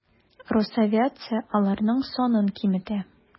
Росавиация аларның санын киметә.